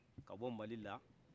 kabɔ malila